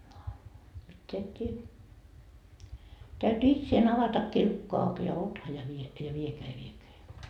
no mitään et tee täytyi itsensä avatakin lukko auki ja ota ja vie ja viekää ja viekää ja